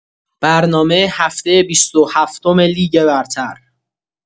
برنامه هفته بیست و هفتم لیگ برتر